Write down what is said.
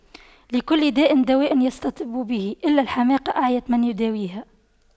لكل داء دواء يستطب به إلا الحماقة أعيت من يداويها